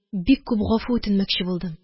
Бик күп гафу үтенмәкче булдым.